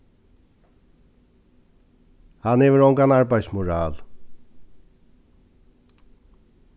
hann hevur ongan arbeiðsmoral